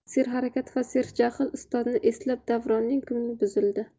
serharakat va serjahl ustozini eslab davronning ko'ngli buzildi